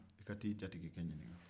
i ka t'i jatigikɛ ɲininka